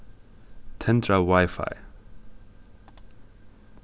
tendra wifi